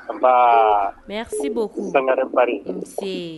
Nba mɛsi b sangga fariri un